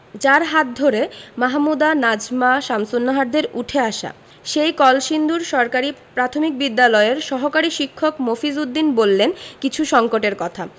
যাঁর হাত ধরে মাহমুদা নাজমা শামসুন্নাহারদের উঠে আসা সেই কলসিন্দুর সরকারি প্রাথমিক বিদ্যালয়ের সহকারী শিক্ষক মফিজ উদ্দিন বললেন কিছু সংকটের কথা